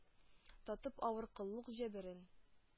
Татып авыр коллык җәберен